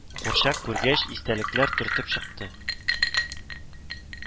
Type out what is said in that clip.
Курчак күргәч, истәлекләр төртеп чыкты